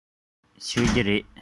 ཟ ཀི རེད